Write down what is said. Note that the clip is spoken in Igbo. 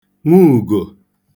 nwuùgò